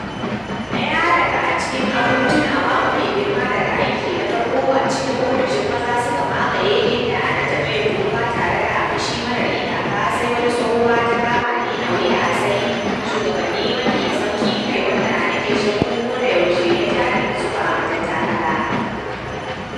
Daya daga cikin abun tunawa mafi girma daga aiki na farko, a cikin ofishin maza suka mamaye, inda na taba yin kuka tare da fushi marar iyaka, sai wata tsohuwa ta kamani a wuya - sai shugaban mai saukin kai wanda nake shakku ko da yaushe- ya jani zuwa matakala.